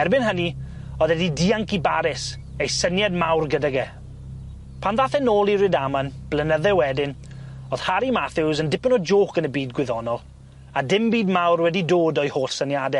Erbyn hynny, o'dd e 'di dianc i Baris, a'i syniad mawr gydag e. Pan ddath e nôl i Rydaman, blynydde wedyn, o'dd Harry Mathews yn dipyn o jôc yn y byd gwyddonol, a dim byd mawr wedi dod o'i holl syniade.